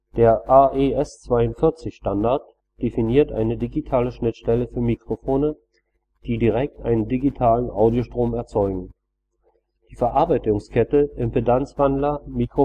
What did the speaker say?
Der AES42-Standard definiert eine digitale Schnittstelle für Mikrofone, die direkt einen digitalen Audiostrom erzeugen. Die Verarbeitungskette Impedanzwandler – Mikrofonvorverstärker